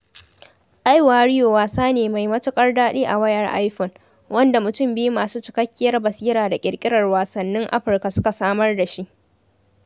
iWarrior wasa ne mai matuƙar daɗi a wayar Iphone, wanda mutum biyu masu cikakkiyar basira da ƙirƙirar wasannin Afirka suka samar dashi.